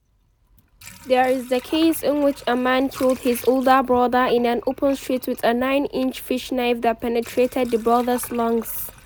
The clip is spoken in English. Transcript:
There is the case in which a man killed his older brother in an open street with a nine-inch fish knife that penetrated the brother's lungs.